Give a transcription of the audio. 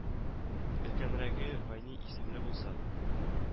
Өлкәнрәге, Гайни исемле булса